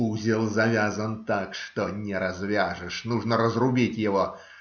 Узел завязан так, что не развяжешь: нужно разрубить его.